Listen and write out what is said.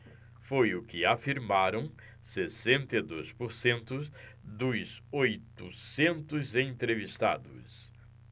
foi o que afirmaram sessenta e dois por cento dos oitocentos entrevistados